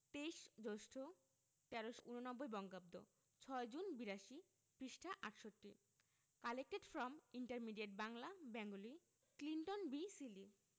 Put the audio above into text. ২৩ জ্যৈষ্ঠ ১৩৮৯ বঙ্গাব্দ ৬ জুন ৮২ পৃষ্ঠাঃ ৬৮ collected from intermediate Bangla Bengali Clinton B Seely